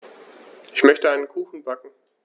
Ich möchte einen Kuchen backen.